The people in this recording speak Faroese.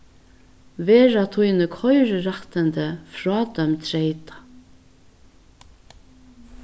verða tíni koyrirættindi frádømd treytað